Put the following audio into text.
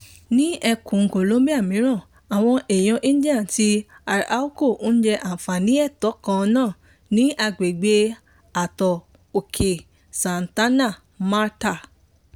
Ní ẹkùn Colombia mìíràn, àwọn èèyàn India ti Arhuaco ń jẹ́ àǹfààní ètò kan náà ní agbègbè ààtò òkè Santa Marta.